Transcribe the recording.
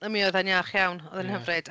Na mi oedd e'n iach iawn. Oedd e'n hyfryd.